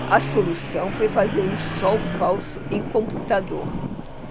a solução foi fazer um sol falso em computador